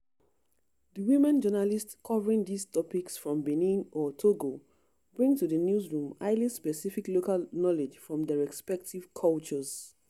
The women journalists covering these topics from Benin or Togo, bring to the newsroom highly specific local knowledge from their respective cultures.